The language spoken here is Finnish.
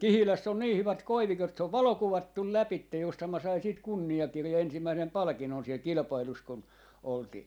Kihilässä on niin hyvät koivikot se on valokuvattu lävitse juurihan minä sain siitä kunniakirjan ensimmäisen palkinnon siellä kilpailussa kun oltiin